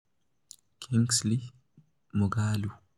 Kingsley Moghalu